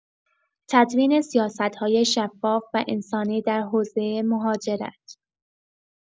تدوین سیاست‌های شفاف و انسانی در حوزه مهاجرت